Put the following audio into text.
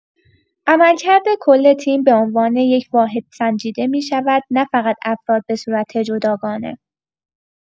عملکرد کل تیم به‌عنوان یک واحد سنجیده می‌شود، نه‌فقط افراد به‌صورت جداگانه.